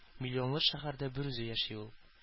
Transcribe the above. Миллионлы шәһәрдә берүзе яши ул.